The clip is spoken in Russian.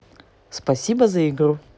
спасибо за игру